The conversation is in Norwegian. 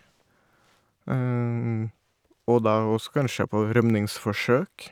Og da også kanskje på rømningsforsøk.